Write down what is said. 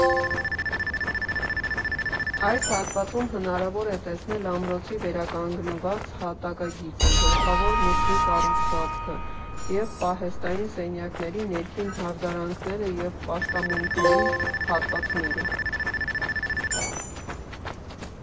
Այս հատվածում հնարավոր է տեսնել ամրոցի վերականգնված հատակագիծը, գլխավոր մուտքի կառուցվածքը և պահեստային սենյակների ներքին հարդարանքները և պաշտամունքային հատվածները։